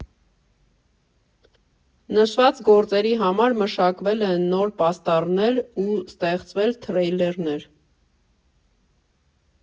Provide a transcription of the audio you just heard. Նշված գործերի համար մշակվել են նոր պաստառներ ու ստեղծվել թրեյլերներ։